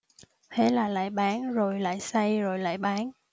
thế là lại bán rồi lại xây rồi lại bán